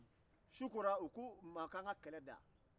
su kora u k'u ma k'an ka kɛlɛ da